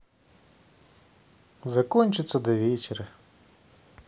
закончится до вечера